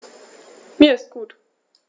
Mir ist gut.